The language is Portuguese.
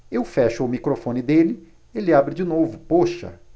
eu fecho o microfone dele ele abre de novo poxa